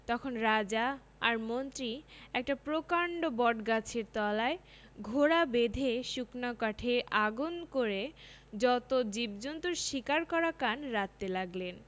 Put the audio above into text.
তখন রাজা আর মন্ত্রী একটা প্রকাণ্ড বটগাছের তলায় ঘোড়া বেঁধে শুকনো কাঠে আগুন করে যত জীবজন্তুর শিকার করা কান রাঁধতে লাগলেন